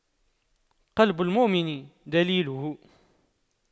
قلب المؤمن دليله